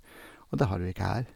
Og det har vi ikke her.